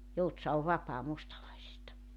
Joutsa on vapaa mustalaisista